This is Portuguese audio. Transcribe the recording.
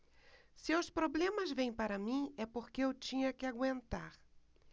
se os problemas vêm para mim é porque eu tinha que aguentar